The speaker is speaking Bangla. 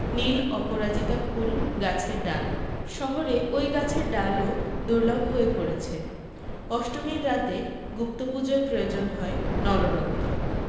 নিল অপরাজিতা ফুল গাছের ডাল শহরে ওই গাছের ডালও দুর্লভ হয়ে পড়েছে অষ্টমীর রাতে গুপ্ত পূজোয় প্রয়োজন হয় নররক্ত